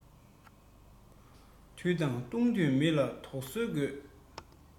བདུད དང བསྡོངས དུས མི ལ དོགས ཟོན དགོས